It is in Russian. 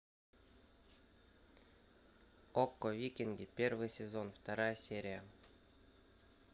окко викинги первый сезон вторая серия